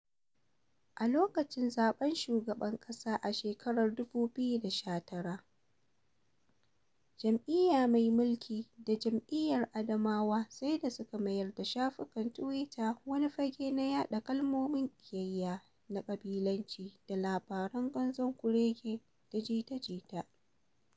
A lokacin zaɓen shugaban ƙasa a shekarar 2019, jam'iyya mai mulki da jam'iyyar adawa sai da suka mayar da shafukan tuwita wani fage na yaɗa kalaman ƙiyayya na ƙabilanci da labaran ƙanzon kurege da jita-jita.